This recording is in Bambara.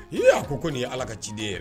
I a ko n' ala ka ciden yɛrɛ